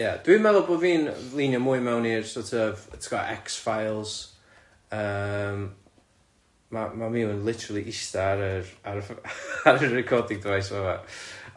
Ia, dwi'n meddwl bod fi'n leanio mwy fewn i'r sort of ti'bod X-Files, yym ma-, ma' Miw literally ista' ar y- ar y recording device yn fa'ma.